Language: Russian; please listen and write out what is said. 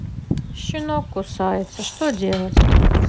щенок кусается что делать